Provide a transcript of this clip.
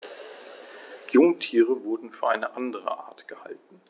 Jungtiere wurden für eine andere Art gehalten.